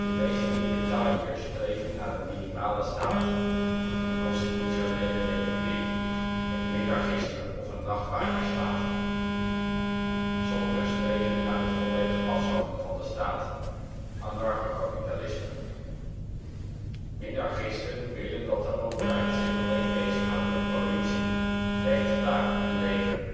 meeste libertariërs streven naar een minimale staat (een constitutionele republiek, het minarchisme of een nachtwakersstaat). Sommigen streven naar het volledig afschaffen van de staat (anarchokapitalisme). Minarchisten willen dat de overheid zich alleen bezighoudt met politie, rechtspraak en leger